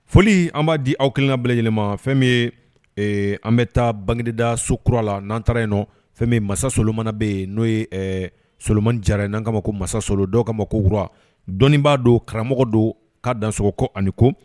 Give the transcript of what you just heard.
Foli an b'a di aw bɛɛ kelen kelen na bɛɛ lajɛlen ma fɛn min ye an bɛ taa Banginda so kura la n'an taara yen nɔ fɛn min masa Solomana bɛ yen n'o ye Solo Jara n'an ka kama ma ko masa Solo dɔw k'ama ma ko rois dɔnniibaga don, karamɔgɔ don, k'a danɔgɔko ani ko